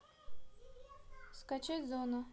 скачать зона